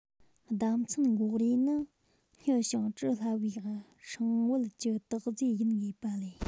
ཟླ མཚན འགོག རས ནི སྙི ཞིང བཀྲུ སླ བའི སྲིང བལ གྱི བཏགས རྫས ཡིན དགོས པ ལས